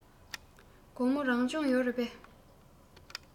དགོང མོ རང སྦྱོང ཡོད རེད པས